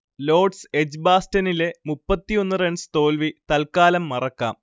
Lord's എജ്ബാസ്റ്റനിലെ മുപ്പത്തിയൊന്ന് runs തോൽവി തൽക്കാലം മറക്കാം